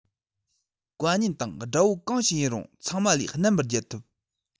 དཀའ ཉེན དང དགྲ བོ གང ཞིག ཡིན རུང ཚང མ ལས རྣམ པར རྒྱལ ཐུབ